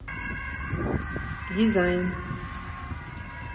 дизайн